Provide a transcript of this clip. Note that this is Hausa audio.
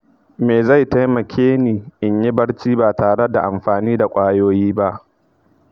me zai taimake ni in yi barci ba tare da amfani da ƙwayoyi ba?